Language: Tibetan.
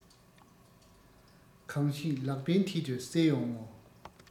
གང བྱས ལག པའི མཐིལ དུ གསལ ཡོང ངོ